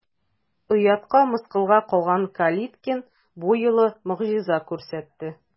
Оятка, мыскылга калган Калиткин бу юлы могҗиза күрсәтте.